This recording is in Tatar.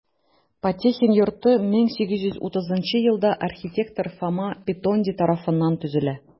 Потехин йорты 1830 елда архитектор Фома Петонди тарафыннан төзелә.